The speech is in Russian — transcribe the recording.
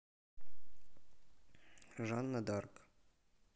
жанна дарк